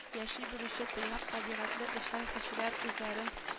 Яши белүче тыйнак табигатьле эшчән кешеләр үзләрен